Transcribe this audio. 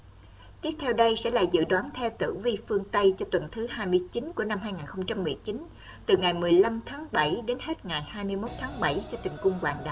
tiếp theo đây sẽ là dự đoán theo tử vi phương tây cho tuần thứ của năm từ ngày đến hết ngày cho từng cung hoàng đạo